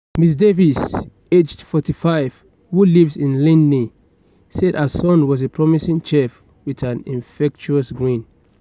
Ms Davis, aged 45, who lives in Lydney, said her son was a promising chef with an infectious grin.